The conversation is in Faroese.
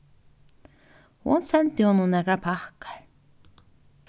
hon sendi honum nakrar pakkar